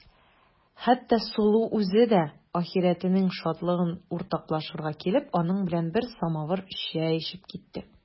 Хәтта Сылу үзе дә ахирәтенең шатлыгын уртаклашырга килеп, аның белән бер самавыр чәй эчеп китте.